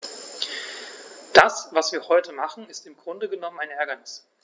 Das, was wir heute machen, ist im Grunde genommen ein Ärgernis.